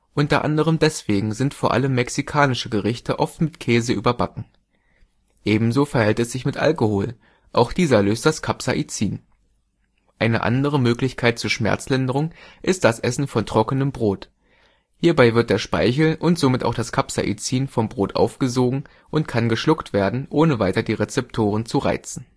Unter anderem deswegen sind vor allem mexikanische Gerichte oft mit Käse überbacken. Ebenso verhält es sich mit Alkohol, auch dieser löst das Capsaicin. Eine andere Möglichkeit zur Schmerzlinderung ist das Essen von trockenem Brot. Hierbei wird der Speichel und somit auch das Capsaicin vom Brot aufgesogen und kann geschluckt werden, ohne weiter die Rezeptoren zu reizen